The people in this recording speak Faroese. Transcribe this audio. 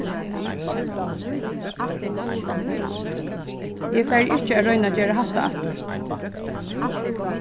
eg fari ikki at royna at gera hatta aftur